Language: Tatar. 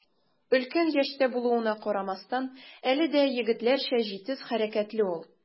Өлкән яшьтә булуына карамастан, әле дә егетләрчә җитез хәрәкәтле ул.